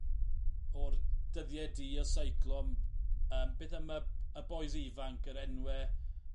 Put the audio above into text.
o'r dyddie du y seiclo m- yym beth am y y bois ifanc yr enwe